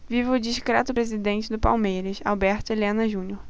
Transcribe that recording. viva o discreto presidente do palmeiras alberto helena junior